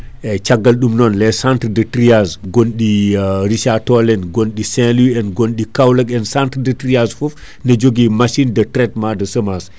eyyi caggal ɗum non les centres de triage gonɗi Richard toll en ,gonɗi Saint-louis en gonɗi Kaolack en centre de triage foof ne joogui machine de traitement de semence